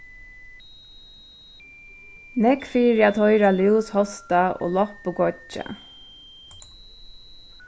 nógv fyri at hoyra lús hosta og loppu goyggja